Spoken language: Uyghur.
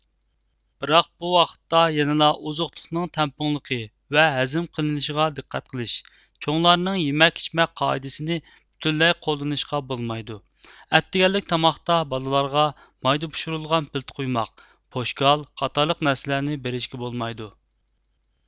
بىراق بۇ ۋاقىتتا يەنىلا ئوزۇقلۇقنىڭ تەڭپۇڭلۇقى ۋە ھەزىم قىلىنىشىغا دىققەت قىلىش چوڭلارنىڭ يېمەك ئىچمەك قائىدىسىنى پۈتۈنلەي قوللىنىشقا بولمايدۇ ئەتىگەنلىك تاماقتا بالىلارغا مايدا پىشۇرۇلغان پىلتە قۇيماق پوشكال قاتارلىق نەرسىلەرنى بېرىشكە بولمايدۇ